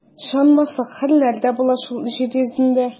Ышанмаслык хәлләр дә була шул җир йөзендә.